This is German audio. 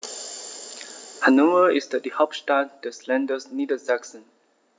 Hannover ist die Hauptstadt des Landes Niedersachsen.